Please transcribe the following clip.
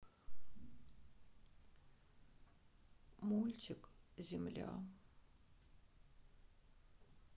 мультик земля